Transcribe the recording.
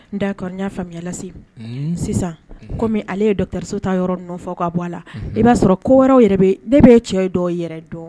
N da kɔni y'a faamuya lase sisan komi ale ye dotareso ta yɔrɔ fɔ ka bɔ a la i b'a sɔrɔ ko wɛrɛw de bɛ cɛ dɔ yɛrɛ dɔn